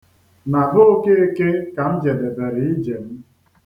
Na be Okeke ka m jedebere ije m.